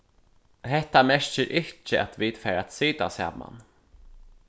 hetta merkir ikki at vit fara at sita saman